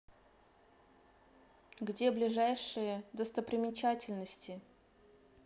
где ближайшие достопримечательности